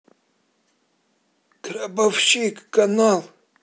гробовщик канал